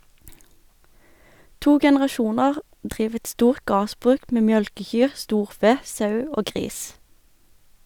To generasjonar driv eit stort gardsbruk med mjølkekyr, storfe, sau og gris.